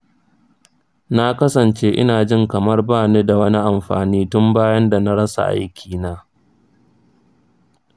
na kasance ina jin kamar ba ni da wani amfani tun bayan da na rasa aikina.